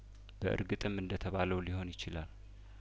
በእርግጥም እንደተባለው ሊሆን ይችላል